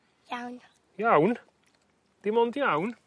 Iawn? Iawn? Dim ond iawn?